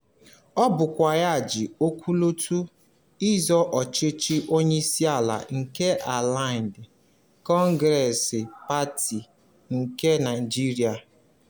Ọ bụkwa ya ji ọkọlọtọ ịzọ ọchịchị onyeisiala nke Allied Congress Party nke Nigeria.